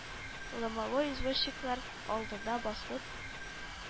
Ломовой извозчиклар алдына басып: